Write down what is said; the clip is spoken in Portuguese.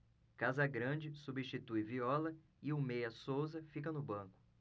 casagrande substitui viola e o meia souza fica no banco